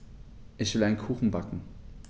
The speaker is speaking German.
Ich will einen Kuchen backen.